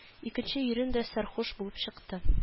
Икенче ирем дә сәрхүш булып чыкты